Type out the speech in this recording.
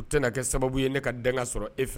U tɛna kɛ sababu ye ne ka dan sɔrɔ e fɛ